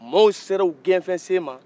maaw sera u gɛnfɛnsen man